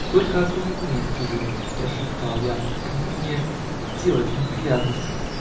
Только о том и думает всю жизнь, -- прошептал я, -- как бы мне делать неприятности.